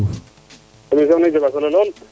emission ne jega solo lool